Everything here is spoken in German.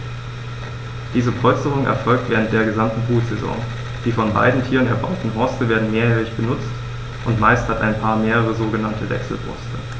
Diese Polsterung erfolgt während der gesamten Brutsaison. Die von beiden Tieren erbauten Horste werden mehrjährig benutzt, und meist hat ein Paar mehrere sogenannte Wechselhorste.